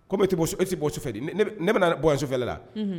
Ko e tɛ bɔfɛri ne bɛna bɔsofɛ la